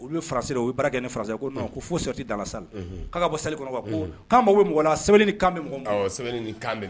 U bɛ fara u bɛ bara kɛ ni fara ko ko foti dala sa ka bɔ seli kɔnɔla sɛbɛn